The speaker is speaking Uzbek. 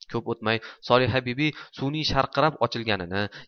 ko'p o'tmay solihabibi suvning sharqirab ochilganini